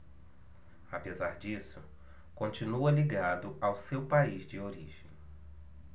apesar disso continua ligado ao seu país de origem